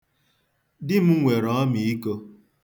Di m nwere ọmiiko.